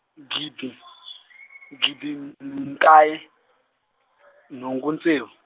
gidi , gidi n- nkaye, nhungu ntsevu.